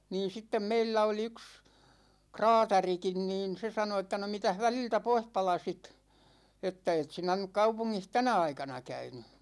niin sitten meillä oli yksi kraatarikin niin se sanoi että no mitäs väliltä pois palasit että et sinä nyt kaupungissa tänä aikana käynyt